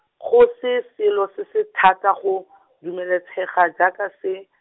go se selo se se thata go , dumelesega jaaka se.